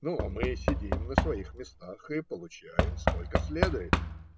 Ну, а мы сидим на своих местах и получаем, сколько следует.